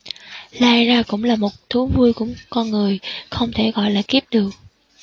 lai ra cũng là một thú vui của con người không thể gọi là kiếp được